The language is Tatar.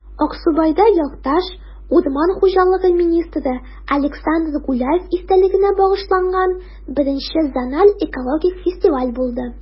Аксубайда якташ, урман хуҗалыгы министры Александр Гуляев истәлегенә багышланган I зональ экологик фестиваль булды